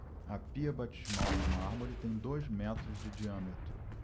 a pia batismal de mármore tem dois metros de diâmetro